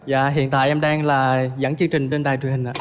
dạ hiện tại em đang là dẫn chương trình trên đài truyền hình ạ